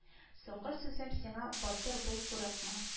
Соңгы сүзем сиңа батыр бул курыкма